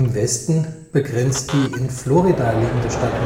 Westen begrenzt die in Florida liegende Stadt